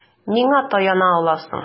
Миңа таяна аласың.